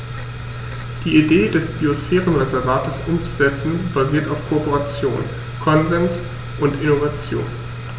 Die Idee des Biosphärenreservates umzusetzen, basiert auf Kooperation, Konsens und Innovation.